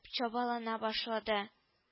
Чабалана башлады